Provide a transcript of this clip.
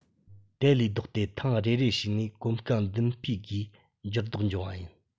དེ ལས ལྡོག སྟེ ཐེངས རེ རེ བྱས ནས གོམ གང མདུན སྤོས སྒོས འགྱུར ལྡོག འབྱུང བ ཡིན